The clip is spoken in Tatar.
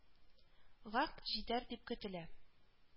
Га җитәр дип көтелә